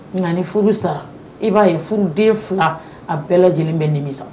Nka ni furu sara i b'a ye furu den fila a bɛɛ lajɛlen bɛ nimisa